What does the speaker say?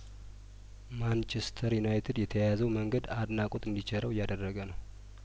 ማንቸስተር ዩናይትድ የተያያዘው መንገድ አድናቆት እንዲ ቸረው እያደረገ ነው